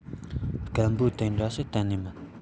སྐམ པོ དེ འདྲ ཞིག གཏན ནས མིན